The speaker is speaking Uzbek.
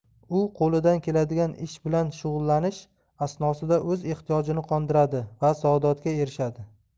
u qo'lidan keladigan ish bilan shug'ullanish asnosida o'z ehtiyojini qondiradi va saodatga erishadi